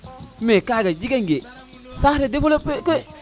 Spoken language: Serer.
mais kaga jega nge sax le développer ke